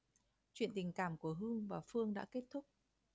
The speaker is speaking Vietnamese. chuyện tình cảm của hưng và phương đã kết thúc